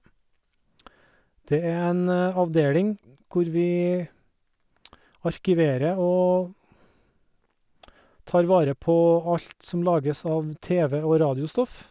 Det er en avdeling hvor vi arkiverer og tar vare på alt som lages av TV- og radiostoff.